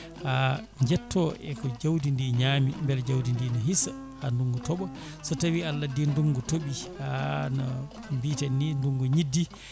ha jetto e ko jawdi ndi ñaami beele jawdi ndi ne hiisa ha ndungu tooɓa so tawi Allah addi ndugngu tooɓi ha no mbiten ni ndgungu ñiddi